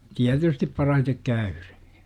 tietysti parhaiten käyden